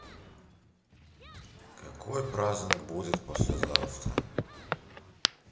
какой праздник будет послезавтра